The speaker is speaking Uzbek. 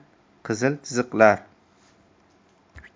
qizil chiziqlar